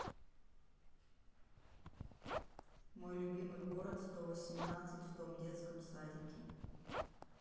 мой любимый город сто восемнадцать в том детском садике